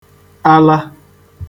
ala